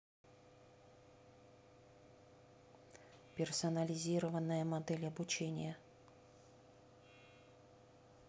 персонализированная модель обучения